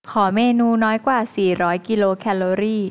ขอเมนูน้อยกว่าสี่ร้อยกิโลแคลอรี่